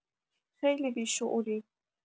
خیلی بیشعوری